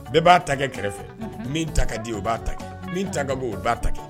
Bɛɛ b'a ta kɛ kɛrɛfɛ, unhun, min ta ka di o b'a ta minta ka go o b'a ta